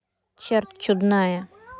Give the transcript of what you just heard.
черт чудная